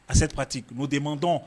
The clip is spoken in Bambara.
A se pati n' den man dɔn